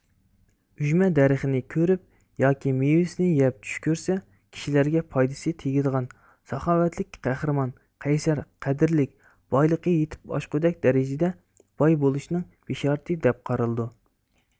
ئۈژمە دەرىخىنى كۆرۈپ ياكى مېۋىسىنى يەپ چۈش كۆرسە كىشىلەرگە پايدىسى تېگىدىغان ساخاۋەتلىك قەھرىمان قەيسەر قەدرىلىك بايلىقى يېتىپ ئاشقۇدەك دەرىجىدە باي بولۇشنىڭ بىشارىتى دەپ قارىلىدۇ